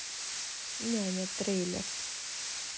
няня трейлер